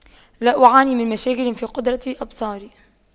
لا أعاني من مشاكل في قدرة إبصاري